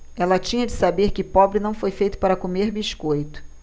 ela tinha de saber que pobre não foi feito para comer biscoito